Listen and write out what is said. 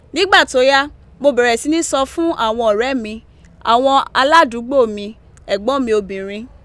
Nígbà tó yá, mo bẹ̀rẹ̀ sí í sọ fún àwọn ọ̀rẹ́ mi, àwọn aládùúgbò mi, ẹ̀gbọ́n mi obìnrin.